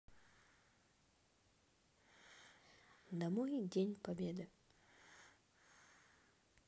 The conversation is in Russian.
домой день победы